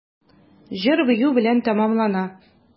Җыр-бию белән тәмамлана.